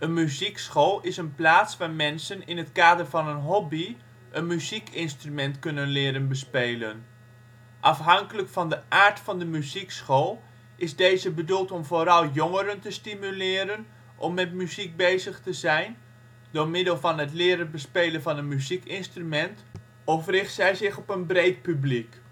muziekschool is een plaats waar mensen in het kader van een hobby een muziekinstrument kunnen leren bespelen. Afhankelijk van de aard van de muziekschool is deze bedoeld om vooral jongeren te stimuleren om met muziek bezig te zijn, door middel van het (leren) bespelen van een muziekinstrument, of richt zij zich op een breed publiek